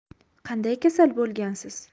qanday kasal bo'lgansiz